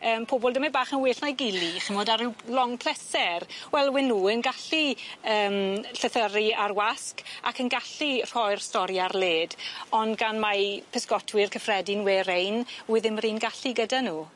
yym pobol dymed bach yn well na'i gily ch'mod ar ryw long pleser wel we' nw yn gallu yym llythyri a'r wasg ac yn gallu rhoi'r stori ar led ond gan mai pysgotwyr cyffredin we' rein we' ddim yr un gallu gyda nw.